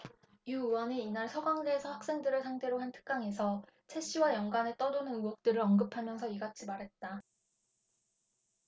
유 의원은 이날 서강대에서 학생들을 상대로 한 특강에서 최씨와 연관해 떠도는 의혹들을 언급하면서 이같이 말했다